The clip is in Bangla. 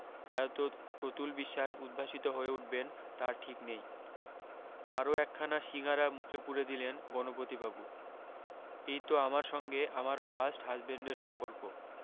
প্রায়ত প্রতুল বিশ্বাস উদ্ভাসিত হয়ে উঠবেন তার ঠিক নেই আরও একখানা সিঙাড়া মুখে পুরে দিলেন গণপতিবাবু এই তো আমার সঙ্গে আমার ফার্স্ট হাজবেণ্ডের সম্পর্ক